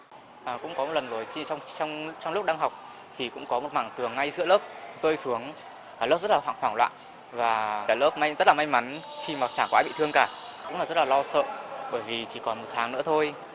à cũng có một lần rồi khi song song trong lúc đang học thì cũng có một mảng tường ngay giữa lớp rơi xuống cả lớp rất là hoảng loạn và cả lớp may rất là may mắn khi mà chả có ai bị thương cả đúng là rất là lo sợ bởi vì chỉ còn một tháng nữa thôi